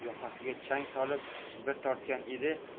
yoqasiga chang solib bir tortgan edi